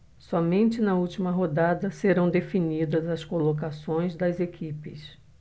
somente na última rodada serão definidas as colocações das equipes